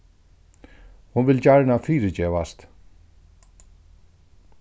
hon vil gjarna fyrigevast